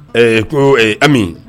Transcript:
Ee ko ee Ami.